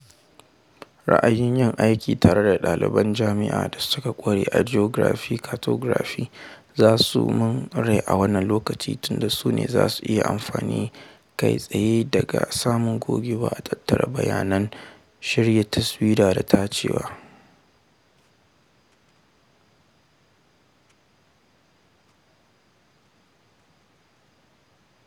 Ra’ayin yin aiki tare da ɗaliban jami’a da suka ƙware a Geography/Cartography yazo mun a rai a wannan lokacin, tun da su ne za su iya amfana kai tsaye daga samun gogewa a tattara bayanan shirya taswira da tacewa.